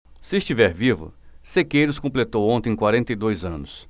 se estiver vivo sequeiros completou ontem quarenta e dois anos